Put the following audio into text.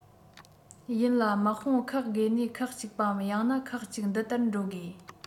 ཡིན ལ དམག དཔུང ཁག བགོས ནས ཁག ཅིག པའམ ཡང ན ཁག གཅིག འདི ལྟར འགྲོ དགོས